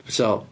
Be ti feddwl?